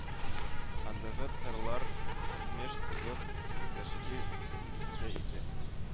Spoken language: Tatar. Андагы татарлар җитмеш тугыз тәшкил итә иде